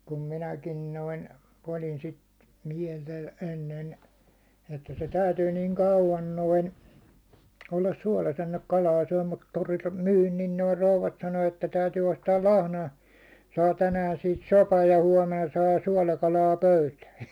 kun minäkin noin olin sitä mieltä ennen että se täytyy niin kauan noin olla suolassa ennen kuin kalaa syö mutta torilta myin niin nuo rouvat sanoi että täytyy ostaa lahnoja saa tänään siitä sopan ja huomenna saa suolakalaa pöytään